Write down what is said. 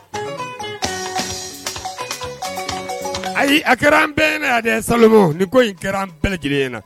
Ayi a kɛra an bɛɛ ne sa ni ko in kɛra an bɛɛ lajɛlen in na